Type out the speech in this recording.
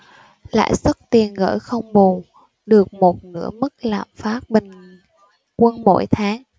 lãi suất tiền gửi không bù được một nửa mức lạm phát bình quân mỗi tháng